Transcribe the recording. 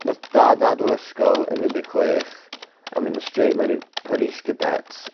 Nath dad adel ysgol yn un deg chwech a myn yn straight mewn i'r police cadets